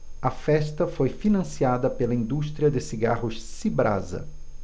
a festa foi financiada pela indústria de cigarros cibrasa